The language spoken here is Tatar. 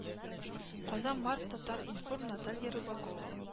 Казан март татар-информ наталья рыбакова